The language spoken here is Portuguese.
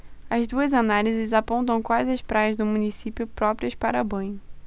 as duas análises apontam quais as praias do município próprias para banho